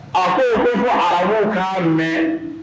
A ko' fɔ ara k'a mɛn